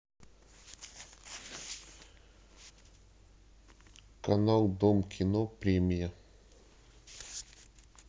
канал дом кино премия